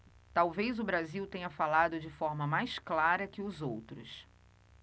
talvez o brasil tenha falado de forma mais clara que os outros